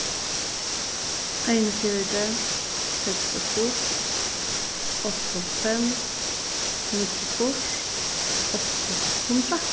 einogfjøruti seksogfýrs áttaoghálvfems níggjuogfýrs átta hundrað